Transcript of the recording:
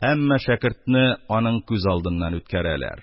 Һәммә шәкертне аның күз алдыннан үткәрәләр: